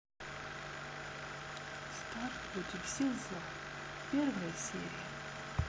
стар против сил зла первая серия